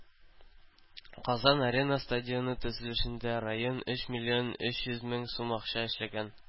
“казан-арена” стадионы төзелешендә район өч миллион өч йөз мең сум акча эшләгән.